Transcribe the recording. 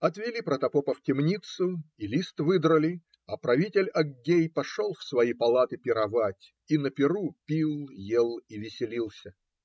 Отвели протопопа в темницу и лист выдрали, а правитель Аггей пошел в свои палаты пировать и на пиру пил, ел и веселился.